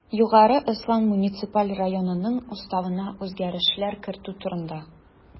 Югары Ослан муниципаль районынның Уставына үзгәрешләр кертү турында